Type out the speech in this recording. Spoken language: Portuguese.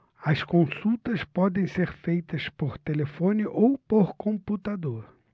as consultas podem ser feitas por telefone ou por computador